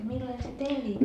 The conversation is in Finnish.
millainen se teidän viikate